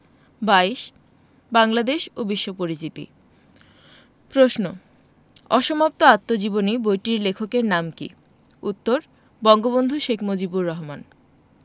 ২২বাংলাদেশ ও বিশ্ব পরিচিতি প্রশ্ন অসমাপ্ত আত্মজীবনী বইটির লেখকের নাম কী উত্তর বঙ্গবন্ধু শেখ মুজিবুর রহমান